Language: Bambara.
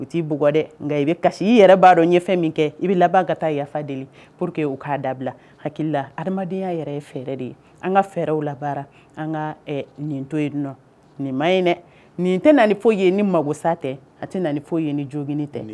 U t'i bugɔ dɛ nka i bɛ kasi i yɛrɛ baara dɔn ɲɛ fɛn min kɛ i bɛ laban ka taa yafa deli pour que y' k'a dabila hakilila adamadenyaya yɛrɛ ye fɛɛrɛ de ye an ka fɛɛrɛw la an ka nin to ye dun nin ma in dɛ nin tɛ foyi ye ni makogosa tɛ a tɛ foyi ye ni jo tɛ